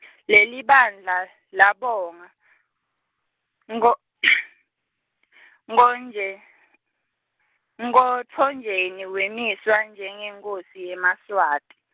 lelibandla labonga, Nkho- Nkhonje-, Nkhotfotjeni wemiswa njengenkhosi yemaSwati.